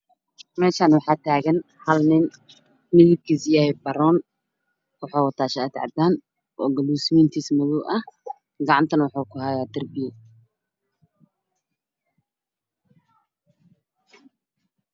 Meeshan waxaa iga muuqda nin midabkiisu yahay baroon wata shati cadaan ah lusminkiisa madow yihiin darbiga dambena waa caday